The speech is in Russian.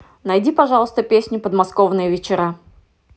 найди пожалуйста песню подмосковные вечера